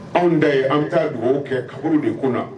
Anw ta ye an ka dugawu kɛ kaburu de kunna